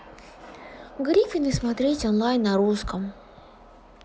гриффины смотреть онлайн на русском